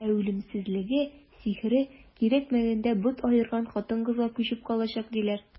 Ә үлемсезлеге, сихере кирәкмәгәндә бот аерган кыз-хатынга күчеп калачак, диләр.